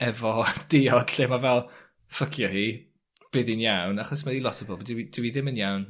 efo diod lle ma' fel ffycia hi bydd 'i'n iawn. Achos mae i lot o bobol dyw 'i dyw 'i ddim yn iawn.